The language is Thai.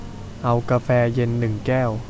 เอากาแฟเย็นหนึ่งแก้ว